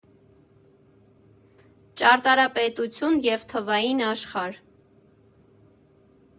Ճարտարապետություն և թվային աշխարհ։